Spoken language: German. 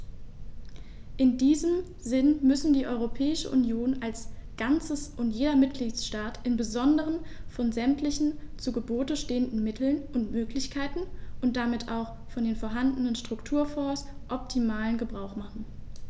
In diesem Sinne müssen die Europäische Union als Ganzes und jeder Mitgliedstaat im Besonderen von sämtlichen zu Gebote stehenden Mitteln und Möglichkeiten und damit auch von den vorhandenen Strukturfonds optimalen Gebrauch machen.